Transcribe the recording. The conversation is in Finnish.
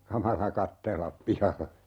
kamala katsella pihalle